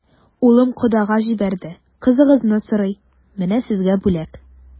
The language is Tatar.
Улым кодага җибәрде, кызыгызны сорый, менә сезгә бүләк.